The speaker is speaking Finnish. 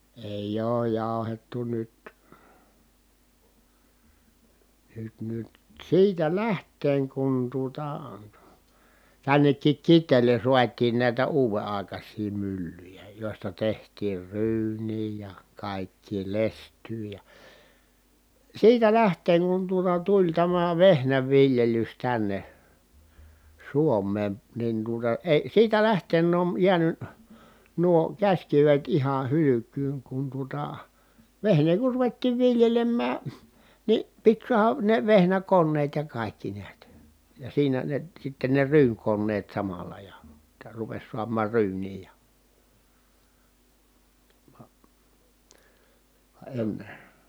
ei ole jauhettu nyt nyt nyt siitä lähtien kun tuota tännekin Kiteelle saatiin näitä uuden aikaisia myllyjä joista tehtiin ryyniä ja kaikkea lestyä ja siitä lähtien kun tuota tuli tämä vehnänviljelys tänne Suomeen niin tuota ei siitä lähtien on jäänyt nuo käsikivet ihan hylkyyn kun tuota vehnää kun ruvettiin viljelemään niin piti saada ne vehnäkoneet ja kaikki näet ja siinä ne sitten ne ryynikoneet samalla ja jotta rupesi saamaan ryyniä ja vaan vaan ennen